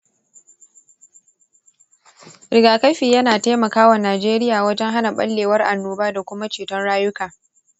rigakafi yana taimaka wa najeriya wajen hana ɓallewar annoba da kuma ceton rayuka.